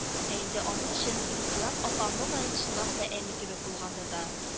Ә инде аның өчен, инкыйлаб апа, мөгаен, чынлап та әни кебек булгандыр да